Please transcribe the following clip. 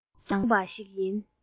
ཡང མཚུངས པ ཡིན